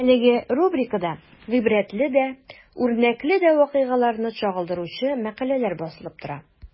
Әлеге рубрикада гыйбрәтле дә, үрнәкле дә вакыйгаларны чагылдыручы мәкаләләр басылып тора.